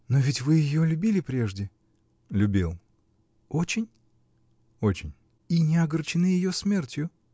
-- Но ведь вы ее любили прежде? -- Любил. -- Очень? -- Очень. -- И не огорчены ее смертью?